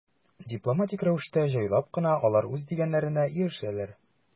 Дипломатик рәвештә, җайлап кына алар үз дигәннәренә ирешәләр.